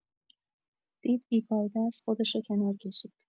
دید بی‌فایده اس خودشو کنار کشید.